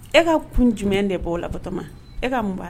E ka kun jumɛn de b'o latɔma e ka mun